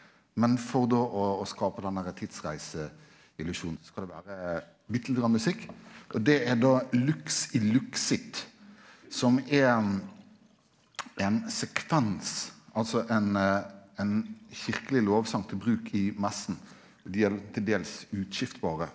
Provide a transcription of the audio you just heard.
men for då å skape den derre tidsreiseillusjonen så skal det vere bitte lite grann musikk og det er då Lux illuxit som er ein sekvens altså ein ein kyrkjeleg lovsong til bruk i messen og dei er til dels utskiftbare.